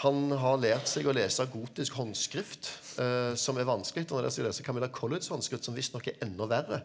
han har lært seg å lese gotisk håndskrift som er vanskelig og han har lært seg å lese Camilla Colletts håndskrift som visstnok er enda verre